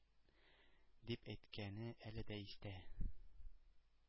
Дип әйткәне әле дә истә.